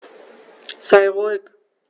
Sei ruhig.